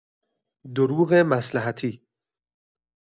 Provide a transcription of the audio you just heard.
دروغ مصلحتی